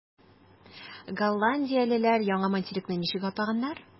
Голландиялеләр яңа материкны ничек атаганнар?